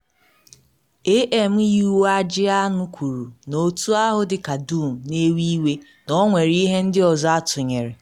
AM Yi Uwe Ajị Anụ kwuru na otu ahụ dị ka dum “na ewe iwe”, na ọ nwere ihe ndị ọzọ atụnyere.